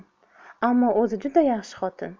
ammo o'zi juda yaxshi xotin